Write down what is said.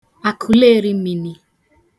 akụlerimini